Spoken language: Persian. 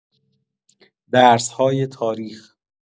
درس‌های تاریخ